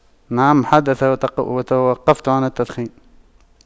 نعم حدث وتوقفت عن التدخين